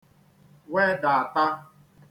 wedàta